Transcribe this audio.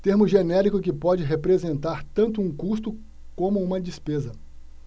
termo genérico que pode representar tanto um custo como uma despesa